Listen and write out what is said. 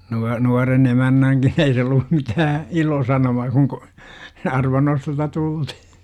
- nuoren emännänkin ei se ollut mitään ilosanomaa kun - arvannostosta tultiin